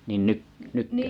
niin - nytkö